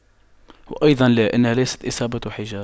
وأيضا لا أنها ليست إصابة حجار